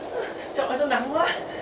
trời ơi sao nặng quá